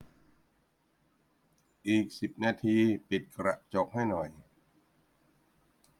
อีกสิบนาทีปิดกระจกให้หน่อย